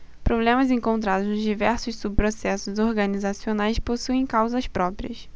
problemas encontrados nos diversos subprocessos organizacionais possuem causas próprias